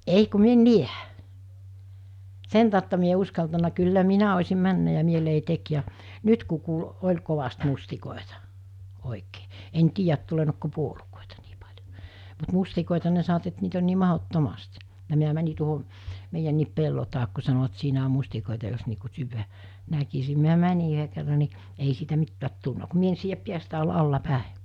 ei kun minä en näe sen tautta minä en ole uskaltanut kyllä minä olisin mennyt ja mieleni teki ja nyt kun kuuli oli kovasti mustikoita oikein en tiedä tulleeko puolukoita niin paljon mutta mustikoita ne sanovat että niitä on niin mahdottomasti ja minä menin tuohon meidänkin pellon taakse kun sanovat siinä on mustikoita jos niin kuin syödä näkisi minä menin yhden kerran niin ei siitä mitään tullut kun minä en siedä päästäni olla alaspäin